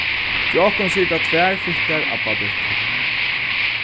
hjá okkum sita tvær fittar abbadøtur